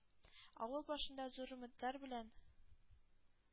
Авыл башында зур өметләр белән